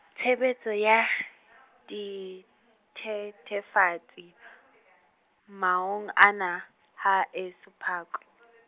tshebetso ya dithethefatsi , mahong ana, ha eso pakwe .